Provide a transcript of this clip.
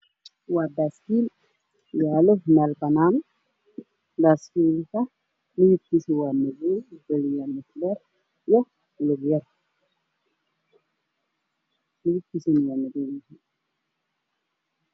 Waa baaskiil yaalo meel banan mideb kiisu waa madow